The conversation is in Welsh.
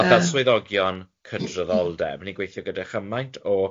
A fatha swyddogion cydraddoldeb, ni'n gweithio gyda chymaint o